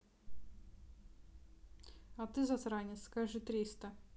а ты засранец скажи триста